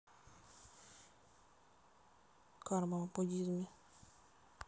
карма в буддизме